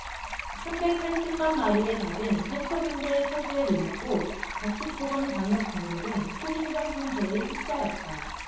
삼백 팔십 만 마리의 닭은 살처분될 처지에 놓였고 가축보건 방역당국은 초긴장 상태에 휩싸였다